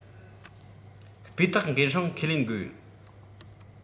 སྤུས དག འགན སྲུང ཁས ལེན དགོས